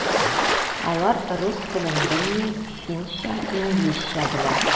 Алар рус телен белми, финча, инглизчә белә.